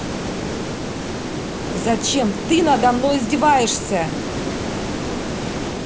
зачем ты надо мной издеваешься